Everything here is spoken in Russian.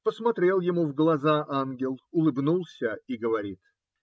Посмотрел ему в глаза ангел, улыбнулся и говорит